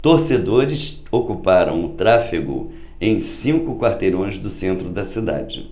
torcedores ocuparam o tráfego em cinco quarteirões do centro da cidade